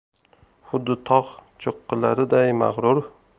xuddi tog' cho'qqilariday mag'rur